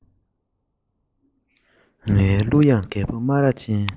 ངའི གླུ དབྱངས རྒད པོ སྨ ར ཅན